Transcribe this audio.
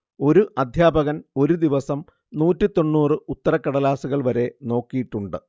ഒരു അദ്ധ്യാപകൻ ഒരു ദിവസം നൂറ്റിത്തൊണ്ണൂറ് ഉത്തരക്കടലാസുകൾ വരെ നോക്കിയിട്ടുണ്ട്